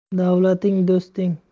davlating do'sting